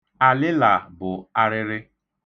Alịla bụ arịrị.